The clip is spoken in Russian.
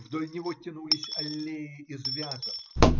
вдоль него тянулись аллеи из вязов